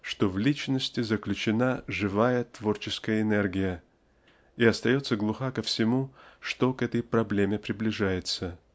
что в личности заключена живая творческая энергия и остается глуха ко всему что к этой проблеме приближается